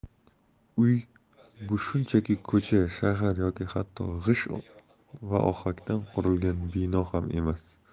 uy bu shunchaki ko'cha shahar yoki hatto g'isht va ohakdan qurilgan bino ham emas